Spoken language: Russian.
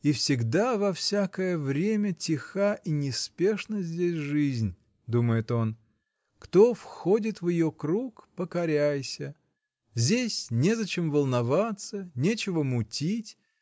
-- И всегда, во всякое время тиха и неспешна здесь жизнь, -- думает он, -- кто входит в ее круг -- покоряйся: здесь незачем волноваться, нечего мутить